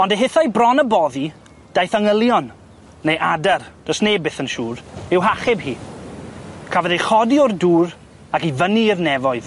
Ond y hithai bron a boddi, daeth angylion, neu adar, do's neb byth yn siŵr, i'w hachub hi, cafodd ei chodi o'r dŵr, ac i fyny i'r nefoedd.